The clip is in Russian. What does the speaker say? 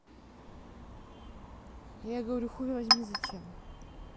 я говорю хуй возьми зачем